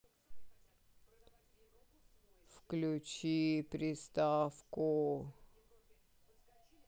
включи приставку